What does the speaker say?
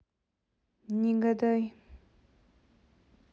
не гадай